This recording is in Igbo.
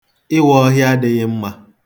Ịwa ọhịa adịghị mma.